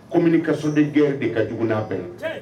Komini ka soden gɛn de ka juguya fɛ